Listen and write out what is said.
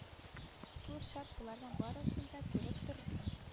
Күр шад боларның барысын да күреп торды